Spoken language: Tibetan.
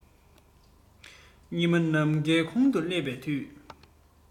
ཉི མ ནམ མཁའི དགུང དུ སླེབས པའི དུས